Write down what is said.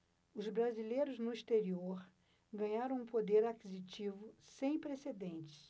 os brasileiros no exterior ganharam um poder aquisitivo sem precedentes